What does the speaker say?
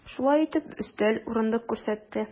Шулай дип, өстәл, урындык күрсәтте.